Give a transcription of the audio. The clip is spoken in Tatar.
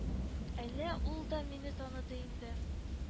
Әллә ул да мине таныды инде